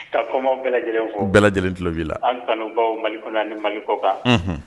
Ka kɔmaw bɛɛ lajɛlen fo . U bɛɛ lajɛlen kulo bi la . An kanu baw Mali kɔnɔ Mal kɔkan Unhun